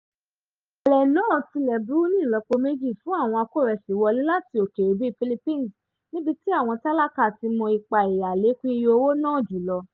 Ìṣẹ̀lẹ̀ náà tilẹ̀ burú ní ìlọ́po méjì fún àwọn akórẹsìwọlé láti òkèèrè bíi Philippines, níbi tí àwọn tálákà ti mọ ipa ìyá àlékún iye owó náà jùlọ.